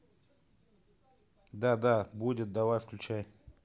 да да будет давай включай